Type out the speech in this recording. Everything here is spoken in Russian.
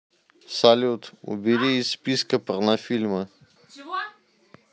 салют убери из списка порнофильмы